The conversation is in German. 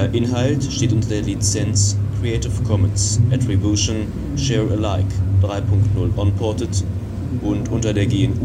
Inhalt steht unter der Lizenz Creative Commons Attribution Share Alike 3 Punkt 0 Unported und unter der GNU